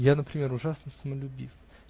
Я, например, ужасно самолюбив.